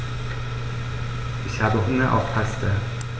Ich habe Hunger auf Pasta.